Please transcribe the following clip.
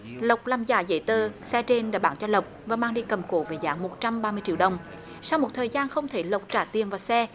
lộc làm giả giấy tờ xe trên đèo bảo lộc và mang đi cầm cố với giá một trăm ba mươi triệu đồng sau một thời gian không thấy lộc trả tiền và xe